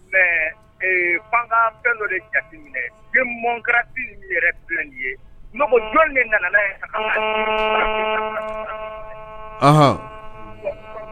Fan fɛn dɔ de jate minɛ bi mɔnkara yɛrɛ ye jɔn de nana